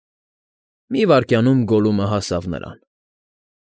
Մի վայրկյանում Գոլլումը հասավ նրան։